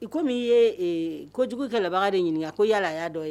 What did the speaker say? I ko min ye ko jugu ka labanbaga de ɲini ko y yalalayaa dɔ ye